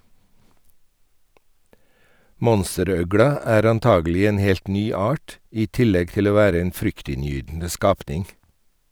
Monsterøgla er antagelig en helt ny art, i tillegg til å være en fryktinngytende skapning.